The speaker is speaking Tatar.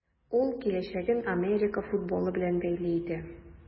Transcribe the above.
Ул киләчәген Америка футболы белән бәйли иде.